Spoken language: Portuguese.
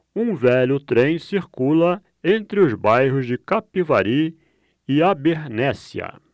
um velho trem circula entre os bairros de capivari e abernéssia